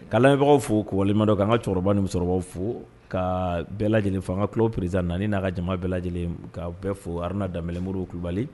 Kalanbagaw fo kolidɔ' ka cɛkɔrɔba sɔrɔ fo ka bɛɛ lajɛlen fanga kulo peresisa na n'a ka jama bɛɛ lajɛlen' bɛɛ fo haruna danɛlɛmo kulubali